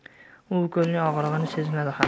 u ukolning og'rig'ini sezmadi ham